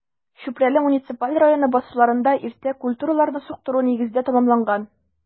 Чүпрәле муниципаль районы басуларында иртә культураларны суктыру нигездә тәмамланган.